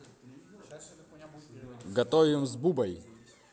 готовим с бубой